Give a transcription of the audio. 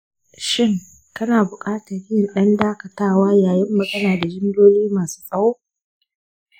shin kana buƙatar yin ɗan dakatawa yayin magana da jimloli masu tsawo?